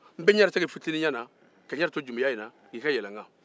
n'bɛ n'yɛrɛ to fitiiniya la ka n'yɛrɛ to jumeya la i ka yɛlɛ n'kan